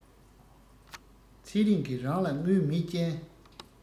ཚེ རིང གི རང ལ དངུལ མེད རྐྱེན